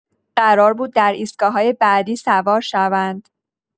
قرار بود در ایستگاهای بعد سوار شوند.